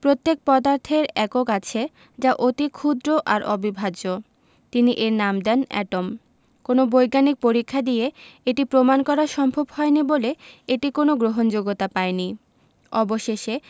প্রত্যেক পদার্থের একক আছে যা অতি ক্ষুদ্র আর অবিভাজ্য তিনি এর নাম দেন এটম কোনো বৈজ্ঞানিক পরীক্ষা দিয়ে এটি প্রমাণ করা সম্ভব হয়নি বলে এটি কোনো গ্রহণযোগ্যতা পায়নি অবশেষে